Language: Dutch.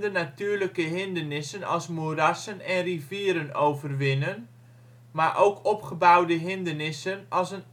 natuurlijke hindernissen als moerassen en rivieren overwinnen maar ook opgebouwde hindernissen als een